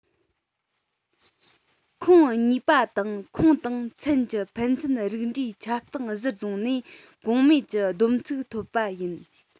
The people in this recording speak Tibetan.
ཁོངས གཉིས པ དང ཁོངས དང ཚན གྱི ཕན ཚུན རིགས འདྲའི ཁྱབ སྟངས གཞིར བཟུང ནས གོང སྨྲས ཀྱི བསྡོམས ཚིག ཐོབ པ ཡིན